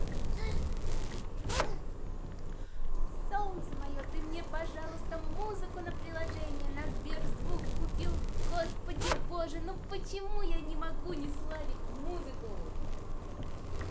солнце мое ты мне пожалуйста музыку на приложение на сбер звук купил господи боже ну почему я не могу не славить музыку